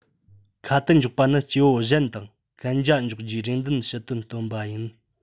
ཁ དན འཇོག པ ནི སྐྱེ བོ གཞན དང གན རྒྱ འཇོག རྒྱུའི རེ འདུན ཞུ དོན སྟོན པ ཡིན